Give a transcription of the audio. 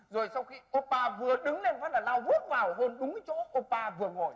rồi sau khi ộp pa vừa đứng lên một phát là lao vút vào hôn đúng cái chỗ ộp pa vừa ngồi